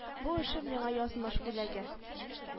Бу эшем миңа язмыш бүләге